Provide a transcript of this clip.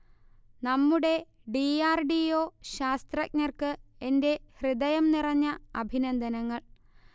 നമ്മുടെ D. R. D. O. ശാസ്ത്രജ്ഞർക്ക് എന്റെ ഹൃദയം നിറഞ്ഞ അഭിനന്ദനങ്ങൾ